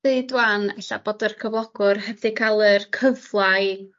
ddeud ŵan e'lla bod yr cyflogwr heb 'di ca'l yr cyfla i